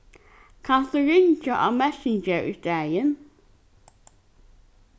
kanst tú ringja á messenger í staðin